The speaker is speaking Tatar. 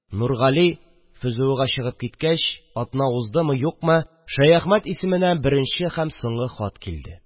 Нургали ФЗОга чыгып киткәч, атна уздымы-юкмы, Шәяхмәт исеменә беренче һәм соңгы хат килде